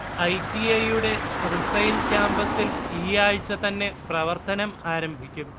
I. T. I യുടെ Rusail ക്യാപസിൽ ഈയാഴ്ച്ച തന്നെ പ്രവർത്തനം ആരംഭിക്കും